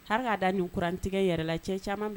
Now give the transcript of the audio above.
Ha da nin kurantigɛ yɛrɛla cɛ caman bɛɛ